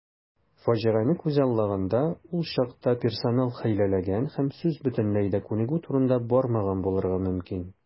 Фаҗигане күзаллаганда, ул чакта персонал хәйләләгән һәм сүз бөтенләй дә күнегү турында бармаган булырга мөмкин.